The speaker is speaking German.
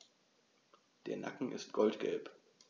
Der Nacken ist goldgelb.